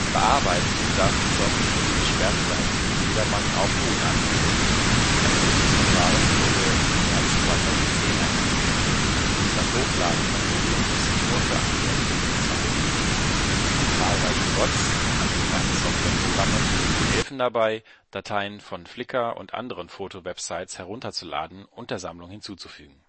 Bearbeiten darf bis auf wenige gesperrte Seiten jedermann auch ohne Anmeldung. Ein Sichtungsverfahren wurde im März 2010 eingeführt. Das Hochladen von Medien ist nur für angemeldete Benutzer möglich. Zahlreiche Bots (kleine Software-Programme) helfen dabei, Dateien von Flickr und anderen Foto-Websites herunterzuladen und der Sammlung hinzuzufügen